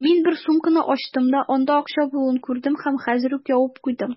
Мин бер сумканы ачтым да, анда акча булуын күрдем һәм хәзер үк ябып куйдым.